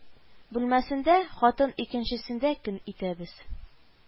Бүлмәсендә, хатын икенчесендә көн итәбез